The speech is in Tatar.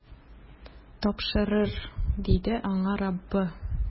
Тапшырыр, - диде аңа Раббы.